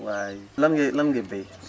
waay lan ngay lan ngay béy